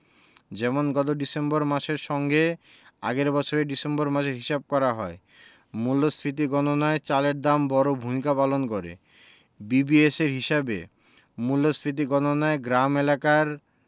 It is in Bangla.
যেমন গত ডিসেম্বর মাসের সঙ্গে আগের বছরের ডিসেম্বর মাসের হিসাব করা হয় মূল্যস্ফীতি গণনায় চালের দাম বড় ভূমিকা পালন করে বিবিএসের হিসাবে মূল্যস্ফীতি গণনায় গ্রাম এলাকার